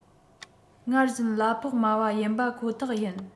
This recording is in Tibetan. སྔར བཞིན གླ ཕོགས དམའ བ ཡིན པ ཁོ ཐག ཡིན